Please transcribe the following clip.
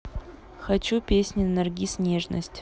хочу песни наргиз нежность